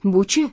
bu chi